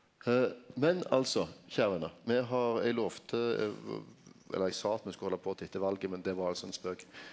men altså kjære venner me har eg lovde eller eg sa at me skulle holde på til etter valet men det var altså ein spøk.